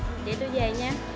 để tui về nha